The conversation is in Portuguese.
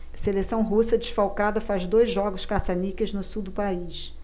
seleção russa desfalcada faz dois jogos caça-níqueis no sul do país